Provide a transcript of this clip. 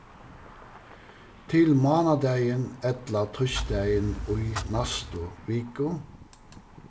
til mánadagin ella týsdagin í næstu viku